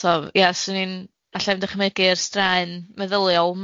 So ia 'swn i'n alla i'm dychymygu yr straen meddyliol,